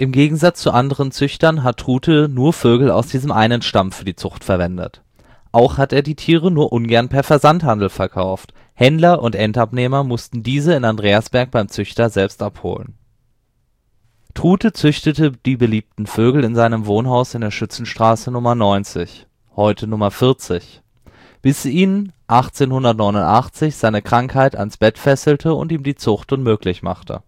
Gegensatz zu anderen Züchtern hat Trute nur Vögel aus diesem einen Stamm für die Zucht verwendet. Auch hat er die Tiere nur ungern per Versandhandel verkauft. Händler und Endabnehmer mussten diese in Andreasberg beim Züchter selbst abholen. Trute züchtete die die beliebten Vögel in seinem Wohnhaus in der Schützenstraße Nr. 90 (heute Nr. 40), bis ihn 1889 seine Krankheit ans Bett fesselte und Ihm die Zucht unmöglich machte